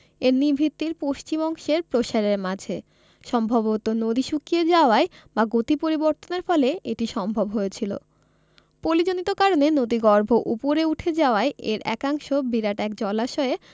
এর নি ভিত্তির পশ্চিম অংশের প্রসারের মাঝে সম্ভবত নদী শুকিয়ে যাওয়ায় বা গতি পরিবর্তনের ফলে এটি সম্ভব হয়েছিল পলিজনিত কারণে নদীগর্ভ উপরে উঠে যাওয়ায় এর একাংশ বিরাট এক জলাশয়ে